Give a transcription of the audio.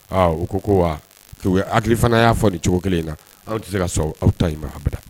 U ko ko wa a hakili fana y'a fɔ ni cogo kelen in na anw tɛ se ka so aw ta ma a bɛ